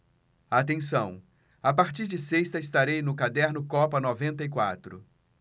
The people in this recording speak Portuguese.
atenção a partir de sexta estarei no caderno copa noventa e quatro